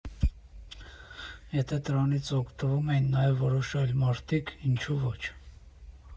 Եթե դրանից օգտվում էին նաև որոշ այլ մարդիկ, ինչու՞ ոչ։